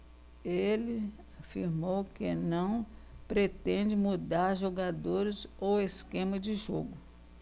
ele afirmou que não pretende mudar jogadores ou esquema de jogo